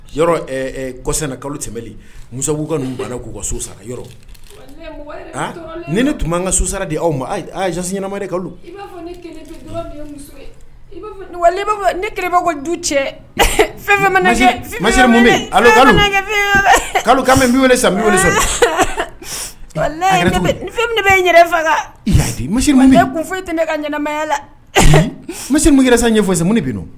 Yɔrɔ kɔsanna kalo tɛmɛn muso b'u ka banna k'u ka so sara yɔrɔ ni ne tun'an ka susa di aw mazsi ɲɛnama kalo i b'a fɔ ni keba ko du cɛ fɛn kalo ka sa bɛ yɛrɛ faga misi kun foyi tɛ ne ka ɲɛnaɛnɛmaya la misimu san ɲɛfɔsimuni bɛ